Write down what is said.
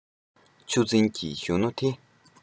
ཆུ འཛིན གྱི གཞོན ནུ དེ